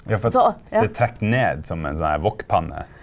ja for det trekker ned som en sånn her wokpanne.